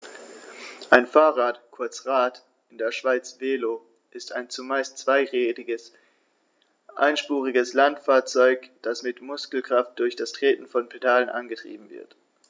Ein Fahrrad, kurz Rad, in der Schweiz Velo, ist ein zumeist zweirädriges einspuriges Landfahrzeug, das mit Muskelkraft durch das Treten von Pedalen angetrieben wird.